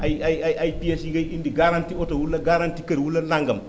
ay ay ay ay pièces yi ngay indi garanti oto wala garanti kër wala nangam